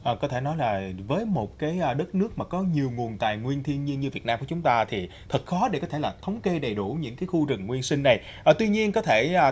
à có thể nói này với một cái a đất nước mà có nhìu ngùn tài nguyên thin nhin như vịt nam của chúng ta thì thật khó để có thể là thống kê đầy đủ những thứ khu rừng nguyên sin này ờ tuy nhin có thể